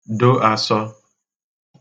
do asọ